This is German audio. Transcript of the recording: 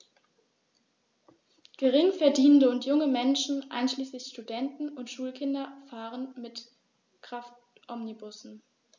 Geringverdienende und junge Menschen, einschließlich Studenten und Schulkinder, fahren mit Kraftomnibussen.